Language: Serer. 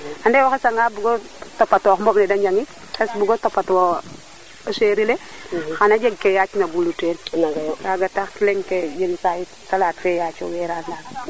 anda o xesa nga bugo topatox boɓ ne de njaŋik xes bugo topat wa o cherie li xana jeg ka yaac na gulu teen kaga tax pin ke yenisaay salade fe yaaco weera nda